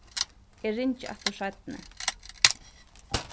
eg ringi aftur seinni